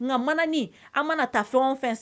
Nka mana an mana taa fɛn o fɛn